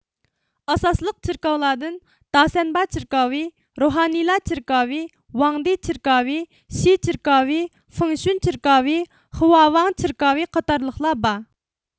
ئاساسلىق چېركاۋلاردىن داسەنبا چېركاۋى روھانىلار چېركاۋى ۋاڭدى چېركاۋى شى چېركاۋى فىڭشۇن چېركاۋى خۋاۋاڭ چېركاۋى قاتارلىقلار بار